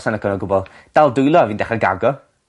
sai'n lico o gwbwl. Dal dwylo fi'n dechre gago.